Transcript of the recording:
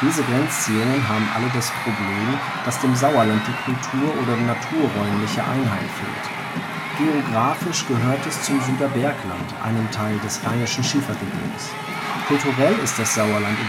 Diese Grenzziehungen haben alle das Problem, dass dem Sauerland die kultur - oder naturräumliche Einheit fehlt. Geografisch gehört es zum Süderbergland, einem Teil des Rheinischen Schiefergebirges; kulturell ist das Sauerland